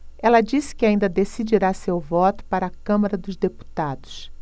ela disse que ainda decidirá seu voto para a câmara dos deputados